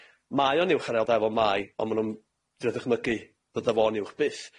Mae o'n uwch ar ail dai fel ma'i. Ond ma' nw'n 'dri dychmygu, ddod â fo'n uwch byth